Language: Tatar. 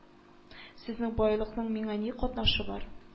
Сезнең байлыкның миңа ни катнашы бар